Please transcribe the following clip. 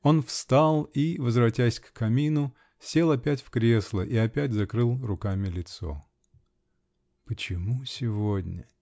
Он встал и, возвратясь к камину, сел опять в кресло -- и опять закрыл руками лицо. "Почему сегодня?